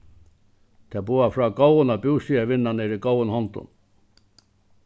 tað boðar frá góðum at bústaðarvinnan er í góðum hondum